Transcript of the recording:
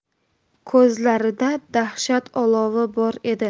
ko'zlarida dahshat olovi bor edi